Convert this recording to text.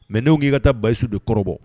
Mais ne ko nk'i ka taa bayisu de kɔrɔbɔ